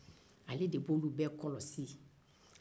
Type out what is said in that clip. ale de b'olu bɛɛ kɔlɔsi